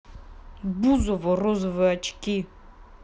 ольга бузова розовые очки